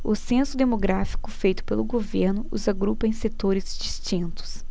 o censo demográfico feito pelo governo os agrupa em setores distintos